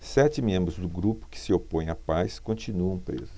sete membros do grupo que se opõe à paz continuam presos